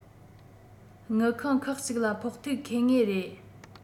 དངུལ ཁང ཁག གཅིག ལ ཕོག ཐུག ཁེལ ངེས རེད